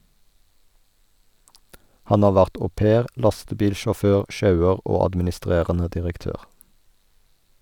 Han har vært au-pair, lastebilsjåfør, sjauer og administrerende direktør.